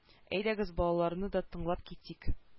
Әйдәгез балаларны да тыңлап китик